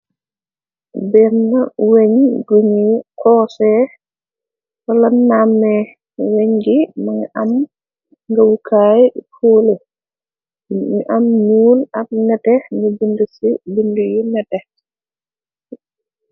Bena weñ guñuy xoosee wala nani, weñ gi mënga am nga wukaay koole ni , am nuul ab nete nga bindu yi nete.